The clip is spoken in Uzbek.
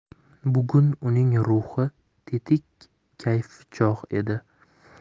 bugun uning ruhi tetik kayfi chog' edi